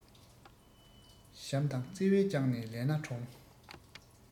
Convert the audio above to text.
བྱམས དང བརྩེ བས བསྐྱངས ནས ལས སྣ དྲོངས